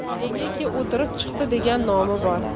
negaki o'tirib chiqdi degan nomi bor